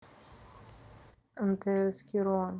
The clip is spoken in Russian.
мтс кирон